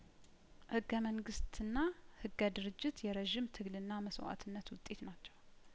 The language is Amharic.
ህገ መንግስትና ህገ ድርጅት የረዥም ትግልና መስዋእትነት ውጤት ናቸው